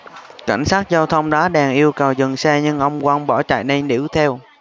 cảnh sát giao thông đá đèn yêu cầu dừng xe nhưng ông quang bỏ chạy nên đuổi theo